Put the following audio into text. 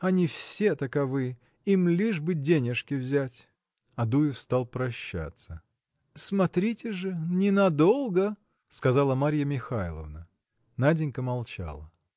Они все таковы: им лишь бы денежки взять. Адуев стал прощаться. – Смотрите же, ненадолго! – сказала Марья Михайловна. Наденька молчала.